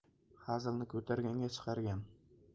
hazilni ko'targanga chiqargan